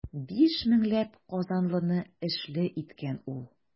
Биш меңләп казанлыны эшле иткән ул.